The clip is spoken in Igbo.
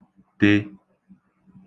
tē